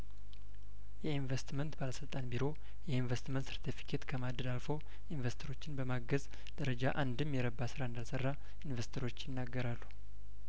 የኢንቨስትመንት ባለስልጣን ቢሮ የኢንቨስትመንት ሰርተፊኬት ከማደል አልፎ ኢንቨስተሮችን በማገዝ ደረጃ አንድም የረባ ስራ እንዳል ሰራ ኢንቨስተሮች ይናገራሉ